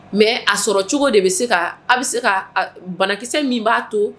Mɛ a sɔrɔ cogo de bɛ se ka aw bɛ se ka banakisɛ min b'a to